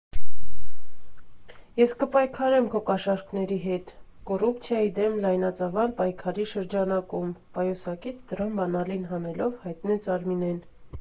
Ես կպայքարեմ քո կաշառքների հետ՝ կոռուպցիայի դեմ լայնածավալ պայքարի շրջանակում, ֊ պայուսակից դռան բանալին հանելով հայտնեց Արմինեն։